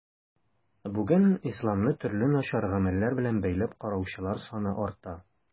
Бүген исламны төрле начар гамәлләр белән бәйләп караучылар саны арта.